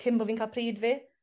cyn bo' fi'n ca'l pryd fi.